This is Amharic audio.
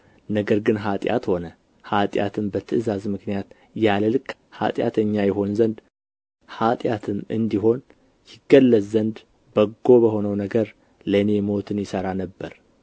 ነገር ግን ኃጢአት ሆነ ኃጢአትም በትእዛዝ ምክንያት ያለ ልክ ኃጢአተኛ ይሆን ዘንድ ኃጢአትም እንዲሆን ይገለጥ ዘንድ በጎ በሆነው ነገር ለእኔ ሞትን ይሠራ ነበር